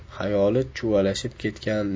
xayoli chuvalashib ketgan